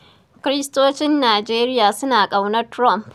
Kiristocin Najeriya suna ƙaunar Trumph.